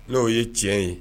N'o ye tiɲɛ ye